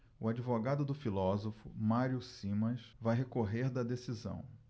o advogado do filósofo mário simas vai recorrer da decisão